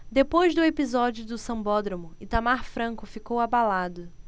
depois do episódio do sambódromo itamar franco ficou abalado